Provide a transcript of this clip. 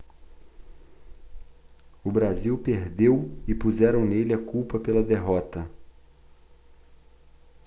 o brasil perdeu e puseram nele a culpa pela derrota